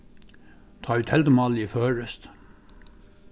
tá ið teldumálið er føroyskt